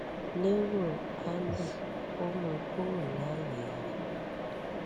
Lérò Hale, “Ó mu kúrò láyé ẹ̀.”